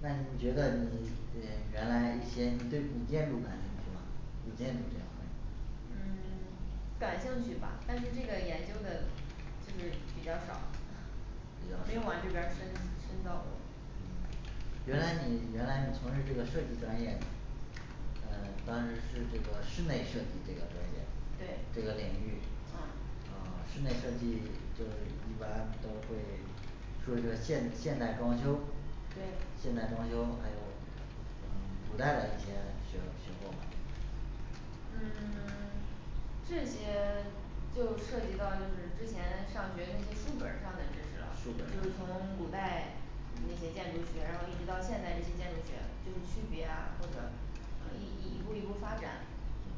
那你觉得你呃原来一些你对古建筑感兴趣吗古建筑这样的嗯感兴趣吧，但是这个研究的就是比较少没比有往较少这边儿深深造过嗯原来你原来你从事这个设计专业呃 当时是这个室内设计这个专业对这个领域，啊啊室内设计就一般都会说一下现现代装修对现代装修还有嗯古代的一些学学过吗嗯 这些就涉及到就是之前上学那些书本儿上的知识了，书就本儿是上从古代那些建筑学，然后一直到现代这些建筑学就是区别啊或者呃一一步一步发展